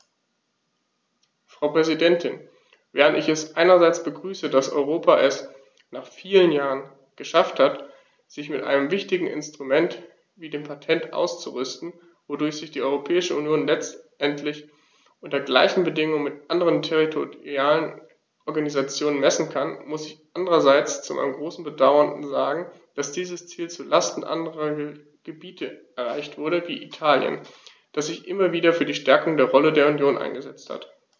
Frau Präsidentin, während ich es einerseits begrüße, dass Europa es - nach vielen Jahren - geschafft hat, sich mit einem wichtigen Instrument wie dem Patent auszurüsten, wodurch sich die Europäische Union letztendlich unter gleichen Bedingungen mit anderen territorialen Organisationen messen kann, muss ich andererseits zu meinem großen Bedauern sagen, dass dieses Ziel zu Lasten anderer Gebiete erreicht wurde, wie Italien, das sich immer wieder für die Stärkung der Rolle der Union eingesetzt hat.